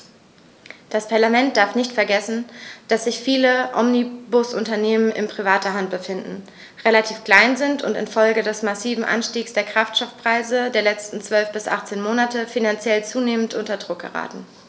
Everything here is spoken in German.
Dieses Parlament darf nicht vergessen, dass sich viele Omnibusunternehmen in privater Hand befinden, relativ klein sind und in Folge des massiven Anstiegs der Kraftstoffpreise der letzten 12 bis 18 Monate finanziell zunehmend unter Druck geraten.